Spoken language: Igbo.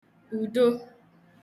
ùdo